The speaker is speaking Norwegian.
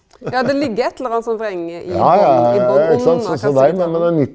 ja det ligg eit eller anna som vrenger i botn i botn under kassegitaren.